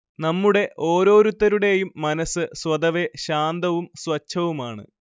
നമ്മുടെ ഓരോരുത്തരുടെയും മനസ്സ് സ്വതവേ ശാന്തവും സ്വഛവുമാണ്